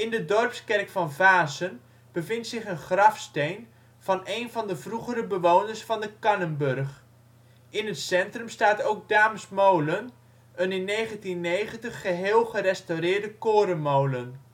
de Dorpskerk van Vaassen bevindt zich een grafsteen van een van de vroegere bewoners van de Cannenburch. In het centrum staat ook Daams ' Molen, een in 1990 geheel gerestaureerde korenmolen